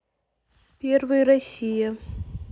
первый россия